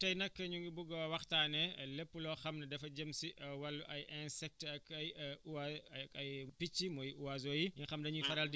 waaw tey nag ñu ngi bugg a waxtaanee lépp loo xam ni dafa jëm si wàllu ay insectes ak ay ois ay picc muy oiseaux yi nga xam ne dañuy